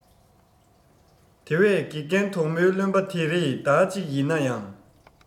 དེ བས དགེ རྒན དུང མོའི བརྩོན པ དེ རེས ཟླ གཅིག ཡིན ནའང